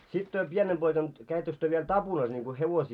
sitten te pienenä poikana kävittekö te vielä tapunassa niin kuin hevosia